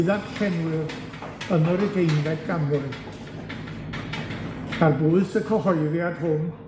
i ddarllenwyr yn yr ugeinfed ganrif. Ar bwys y cyhoeddiad